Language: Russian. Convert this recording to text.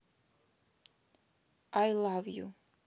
ай лав ю